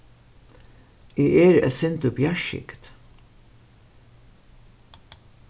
eg eri eitt sindur bjartskygd